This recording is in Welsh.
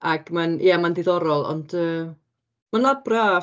Ac ma'n... ia, ma'n ddiddorol. Ond yy ma'n wlad braf.